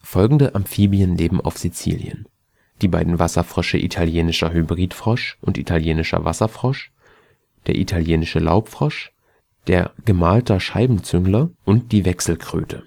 Folgende Amphibien leben auf Sizilien: die beiden Wasserfrösche Italienischer Hybridfrosch und Italienischer Wasserfrosch, der Italienische Laubfrosch, der Gemalter Scheibenzüngler und die Wechselkröte